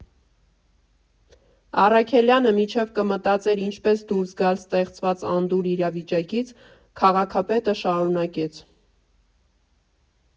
Առաքելյանը մինչև կմտածեր ինչպես դուրս գալ ստեղծված անդուր իրավիճակից, քաղաքապետը շարունակեց.